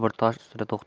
bir tosh ustida to'xtadi